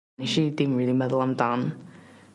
Nesh i dim rili meddwl amdan